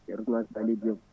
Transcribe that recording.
ceerno Ousmane Saliou Doip